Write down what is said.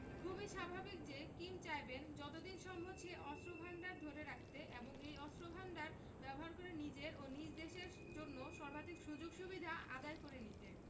খুবই স্বাভাবিক যে কিম চাইবেন যত দিন সম্ভব সে অস্ত্রভান্ডার ধরে রাখতে এবং এই অস্ত্রভান্ডার ব্যবহার করে নিজের ও নিজ দেশের জন্য সর্বাধিক সুযোগ সুবিধা আদায় করে নিতে